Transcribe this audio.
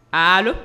Aa